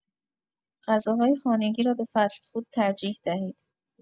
غذاهای خانگی را به فست‌فود ترجیح دهید.